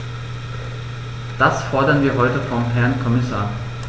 Das fordern wir heute vom Herrn Kommissar.